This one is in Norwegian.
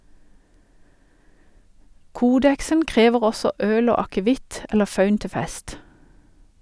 Codex'en krever også øl og akevitt eller faun til fest.